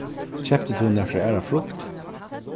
keypti tú nakra aðra frukt